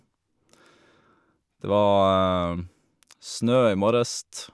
Det var snø i morges.